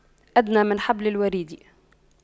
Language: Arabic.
أدنى من حبل الوريد